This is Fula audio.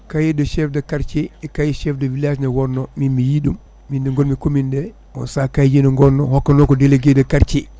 cahier de chef de quartier e cahier chef de village ne wonno min mi yiiɗum min de gonmi commune nde on saaha cahier ji ne gonno hokkano ko délégué de quartier